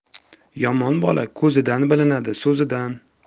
yomon bola ko'zidan bilinadi so'zidan